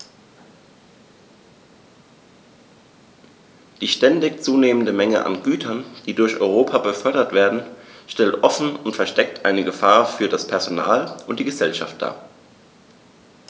Die ständig zunehmende Menge an Gütern, die durch Europa befördert werden, stellt offen oder versteckt eine Gefahr für das Personal und die Gesellschaft dar.